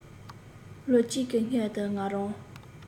ལོ གཅིག གི སྔོན དུ ང རང